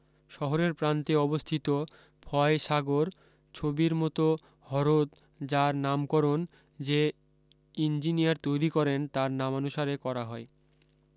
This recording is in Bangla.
শহরের প্রান্তে অবস্থিত ফয় সাগর ছবির মত হরদ যার নামকরণ যে ইঞ্জিনিয়ার তৈরী করেন তার নামানুসারে করা হয়